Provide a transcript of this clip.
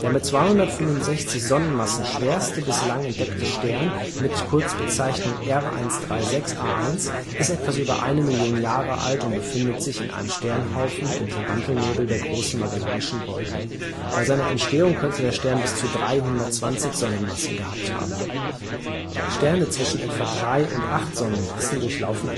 mit 265 Sonnenmassen schwerste bislang entdeckte Stern mit Kurzbezeichnung R136a1 ist etwas über 1 Million Jahre alt und befindet sich in einem Sternhaufen im Tarantelnebel der Großen Magellanschen Wolke. Bei seiner Entstehung könnte der Stern bis zu 320 Sonnenmassen gehabt haben. Sterne zwischen etwa 3 und 8 Sonnenmassen durchlaufen